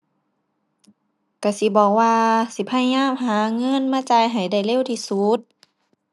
ก็สิบอกว่าสิพยายามหาเงินมาจ่ายให้ได้เร็วที่สุด